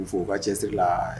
N b'u fo u ka cɛsiri la